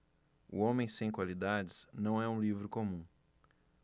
o homem sem qualidades não é um livro comum